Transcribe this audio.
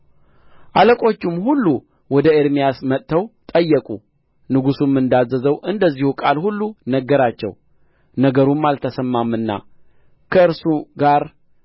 አለቆቹም ሁሉ ወደ ኤርምያስ መጥተው ጠየቁ ንጉሡም እንዳዘዘው እንደዚህ ቃል ሁሉ ነገራቸው ነገሩም አልተሰማምና ከእርሱ ጋር